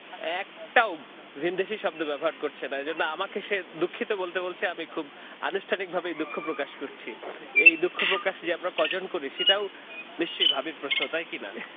একটাও ভিনদেশী শব্দ ব্যবহার করছে না এজন্য আমাকে সে দুঃখিত বলতে বলছে আমি খুব আনুষ্ঠানিকভাবেই দুঃখ প্রকাশ করছি এ দুঃখ প্রকাশ যে আমরা কয়জন করি সেটাও নিশ্চয়ই ভাবির প্রশ্ন তাই কি না